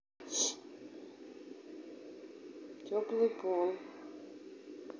теплый пол